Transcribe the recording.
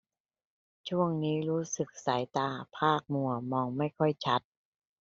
ช่วงนี้รู้สึกสายตาพร่ามัวมองไม่ค่อยชัด